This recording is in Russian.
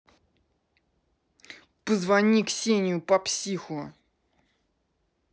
позвони ксению по психу